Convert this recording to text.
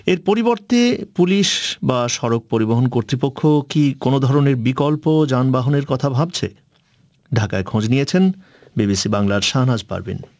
এর পরিবর্তে পুলিশ বা সড়ক পরিবহন কর্তৃপক্ষ কি কোন ধরনের বিকল্প যানবাহনের কথা ভাবছে ঢাকায় খোঁজ নিয়েছেন বিবিসি বাংলা্র শাহনাজ পারভীন